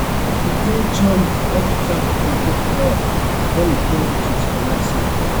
He then jumped off the traffic control tower when he thought it was collapsing.